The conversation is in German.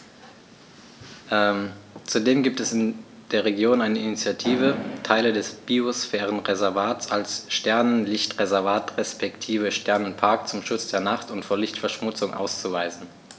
Zudem gibt es in der Region eine Initiative, Teile des Biosphärenreservats als Sternenlicht-Reservat respektive Sternenpark zum Schutz der Nacht und vor Lichtverschmutzung auszuweisen.